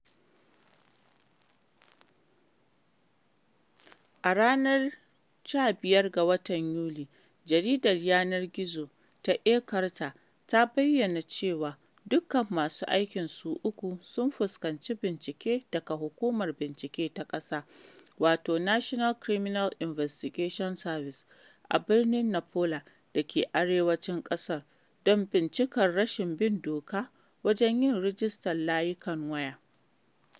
A ranar 15 ga Yuli, jaridar yanar gizo ta A Carta ta bayyana cewa dukkan masu aikin su uku sun fuskanci bincike daga Hukumar Bincike ta Ƙasa, wato National Criminal Investigation Service, a birnin Nampula dake arewacin ƙasar, don bincikar rashin bin doka wajen yin rajistar layukan waya .